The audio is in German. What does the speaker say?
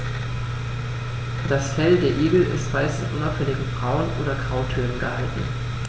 Das Fell der Igel ist meist in unauffälligen Braun- oder Grautönen gehalten.